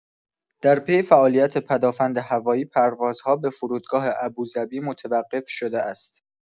درپی فعالیت پدافند هوایی، پروازها به فرودگاه ابوظبی متوقف شده است.